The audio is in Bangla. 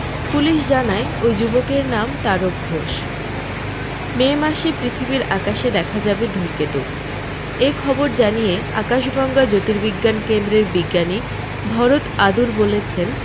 পুলিশ জানায় ওই যুবকের নাম তারক ঘোষ মে মাসে পৃথিবীর আকাশে দেখা যাবে ধূমকেতু এ খবর জানিয়ে আকাশ গঙ্গা জ্যোতীর্বিজ্ঞান কেন্দ্রের বিজ্ঞানী ভরত আদুর বলেছেন